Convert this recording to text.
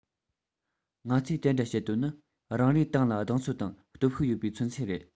ང ཚོས དེ འདྲ བྱེད དོན ནི རང རེའི ཏང ལ གདེང ཚོད དང སྟོབས ཤུགས ཡོད པའི མཚོན ཚུལ རེད